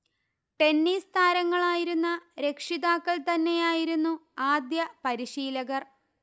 tennis താരങ്ങളായിരുന്ന രക്ഷിതാക്കൾ തന്നെയായിരുന്നു ആദ്യപരിശീലകർ